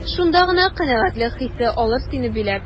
Шунда гына канәгатьлек хисе алыр сине биләп.